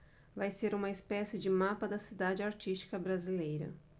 vai ser uma espécie de mapa da cidade artística brasileira